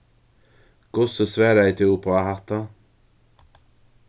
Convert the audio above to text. hvussu svaraði tú upp á hatta